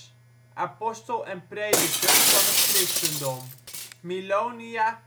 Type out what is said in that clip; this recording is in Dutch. prediker van het Christendom Milonia